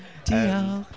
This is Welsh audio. Diolch.